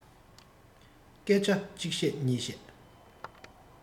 སྐད ཆ གཅིག བཤད གཉིས བཤད